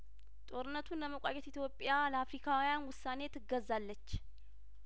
ጦርነቱን ለመቋጨት ኢትዮጵያ ለአፍሪካውያን ውሳኔ ትገዛለች